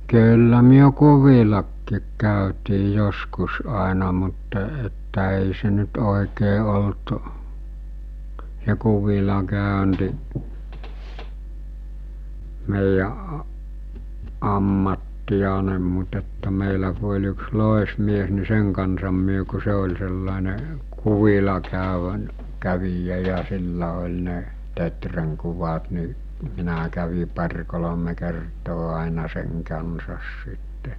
kyllä me kuvillakin käytiin joskus aina mutta että ei se nyt oikein ollut se kuvilla käynti meidän - ammattiamme mutta että meillä kun oli yksi loismies niin sen kanssa me kun se oli sellainen kuvilla - kävijä ja sillä oli ne teeren kuvat niin minä kävin pari kolme kertaa aina sen kanssa sitten